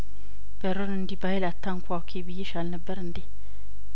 በሩን እንዲህ በሀይል አታንኳኲ ብዬሽ አልነበር እንዴ